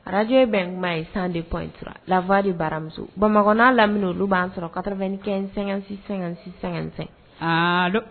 Araj bɛn kuma ye san de p intura lafari baramuso bamakɔ'a lamini olu b'a sɔrɔ kara kɛsɛ-sɛ-sɛsɛ